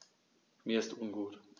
Mir ist ungut.